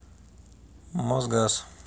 мосгаз